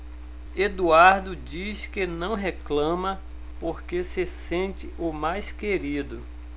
eduardo diz que não reclama porque se sente o mais querido